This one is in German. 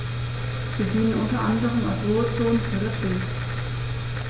Sie dienen unter anderem als Ruhezonen für das Wild.